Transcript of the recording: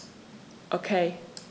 Okay.